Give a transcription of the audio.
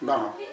non non